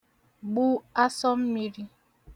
gbụ asọ mmiri